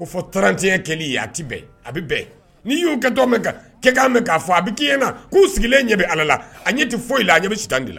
Ko fɔ ko 31 kɛli a tɛ bɛn, a bɛ bɛn, n'i y'u kɛ kan mɛn k'a fɔ a bɛ k'i ɲɛna k'u sigilen ɲɛ bɛ alllah k'a sɔrɔ a ɲɛ tɛ foyi la, a ɲɛ bɛ Sitaanɛ de la.